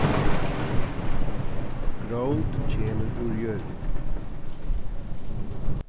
grót kemur úr jørðini